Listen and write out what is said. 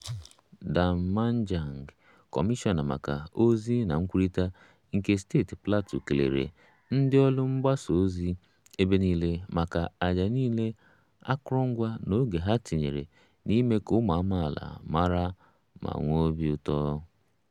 Dan Manjang, kọmishọna maka ozi na nkwukọrịta nke steeti Plateau, kelere ndị ọrụ mgbasa ozi ebe niile maka "àjà niile, akụrụngwa na oge" ha tinyere n'ime ka ụmụ amaala mara ma nwee obi ụtọ: